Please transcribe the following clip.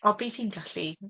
Ond bydd hi'n gallu.